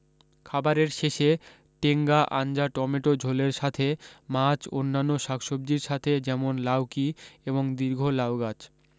খাবারের শেষে টেঙ্গা আঞ্জা টমেটো ঝোলের সাথে মাছ অন্যান্য শাকসব্জির সাথে যেমন লাউকি এবং দীর্ঘ লাউগাছ